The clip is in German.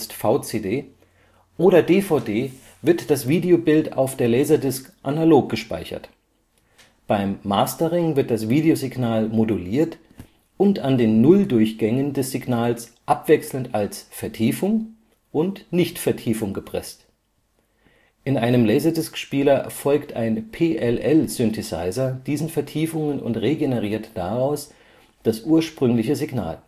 VCD) oder DVD wird das Videobild auf der LD analog gespeichert. Beim Mastering wird das Videosignal moduliert und an den Nulldurchgängen des Signals abwechselnd als „ Vertiefung “und „ Nicht-Vertiefung “gepresst. In einem LD-Spieler folgt ein PLL-Synthesizer diesen Vertiefungen und regeneriert daraus das ursprüngliche Signal